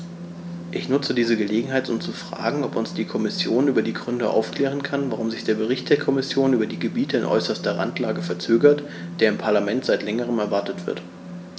Ich nutze diese Gelegenheit, um zu fragen, ob uns die Kommission über die Gründe aufklären kann, warum sich der Bericht der Kommission über die Gebiete in äußerster Randlage verzögert, der im Parlament seit längerem erwartet wird.